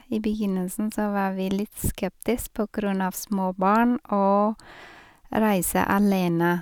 I begynnelsen så var vi litt skeptisk på grunn av små barn og reise alene.